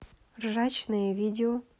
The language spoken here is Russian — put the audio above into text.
ржачные видео